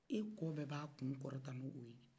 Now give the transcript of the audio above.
e kɔ bɛɛ b'a kunkɔrɔta n'o ye